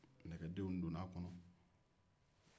nɛgɛdenw donna a kɔnɔ